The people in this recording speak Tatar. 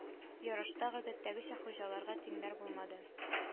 Ярышта гадәттәгечә хуҗаларга тиңнәр булмады